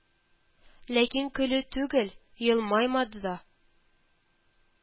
Ләкин көлү түгел, елмаймады да